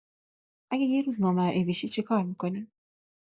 اگه یه روز نامرئی بشی، چیکار می‌کنی؟